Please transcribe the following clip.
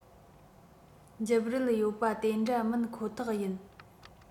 འཇིབ རུ ཡིད པ དེ འདྲ མིན ཁོ ཐག ཡིན